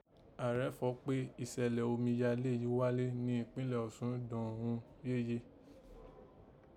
Ààrẹ fọ̀ọ́ kpé ìṣẹ̀lẹ̀ omíyalé yìí gháyé ní ìpínlẹ̀ Òsun dọ̀n ghun yeye